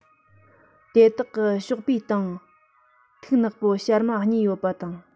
དེ དག གི གཤོག པའི སྟེང ཐིག ནག པོ ཤར མ གཉིས ཡོད པ དང